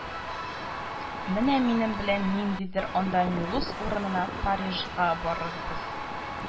Менә минем белән, ниндидер анда Мюлуз урынына, Парижга барырбыз